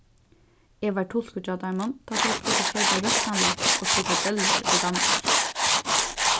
eg var tulkur hjá teimum tá tey skuldu keypa royktan laks og frikadellur í danmark